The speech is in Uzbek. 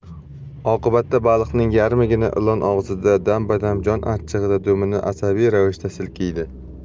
oqibatda baliqning yarmigina ilon og'zida dam badam jon achchig'ida dumini asabiy ravishda silkiydi